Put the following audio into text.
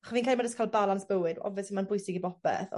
acho' fi'n credu ma' jys ca'l balans bywyd obviously ma'n bwysig i bopeth